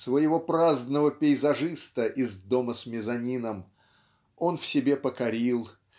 своего праздного пейзажиста из "Дома с мезонином" он в себе покорил